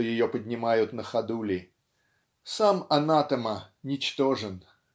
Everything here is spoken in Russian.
что ее поднимают на ходули. Сам Анатэма ничтожен